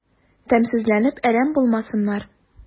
Тәмсезләнеп әрәм булмасыннар...